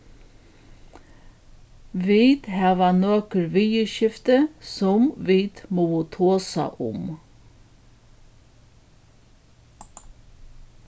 vit hava nøkur viðurskifti sum vit mugu tosa um